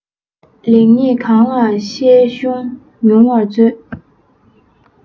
ལེགས ཉེས གང ལ བཤད གཞུང ཉུང བར མཛོད